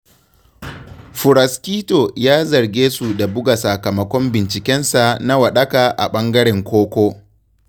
Furaskito ya zarge su da buga sakamakon bincikensa na wadaƙa a ɓangaren koko.